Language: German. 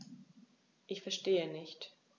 Ich verstehe nicht.